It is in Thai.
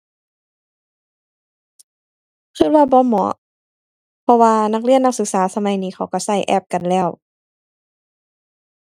คิดว่าบ่เหมาะ เพราะว่านักเรียนนักศึกษาสมัยนี้เขาคิดคิดแอปกันแล้ว